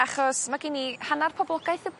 achos ma' gen i hannar poblogaeth y